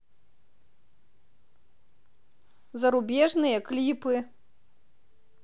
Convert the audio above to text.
зарубежные клипы